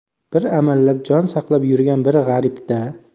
bir amallab jon saqlab yurgan bir g'aribda